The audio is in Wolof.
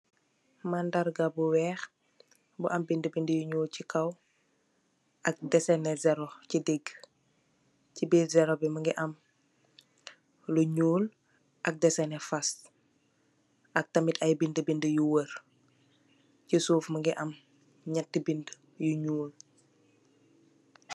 Mandar gar bu weex bu am bindu bindu bu n'ull si kaw ak desana zero si dega si bir zero bi mungi am lo null ak desana fass bi ak aye bindu bindu yo worr si sof mungi am n'iati bindu yu null.